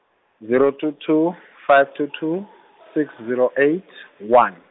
zero two two five two two six zero eight one.